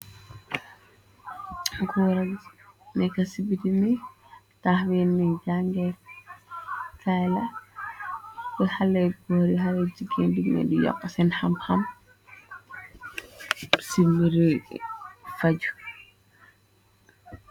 Góora, ni ka ci biti mi, taxween nu jangeer kayla, be xale goor yu xale jigen digne du yox seen xamxam, ci bure faju.